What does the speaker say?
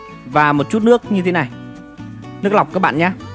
và chút nước như thế này nước lọc các bạn nhé